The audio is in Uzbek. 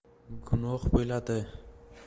gunoh bo'ladi